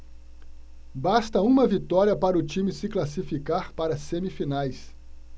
basta uma vitória para o time se classificar para as semifinais